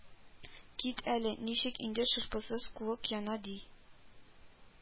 Кит әле, ничек инде шырпысыз куык яна, ди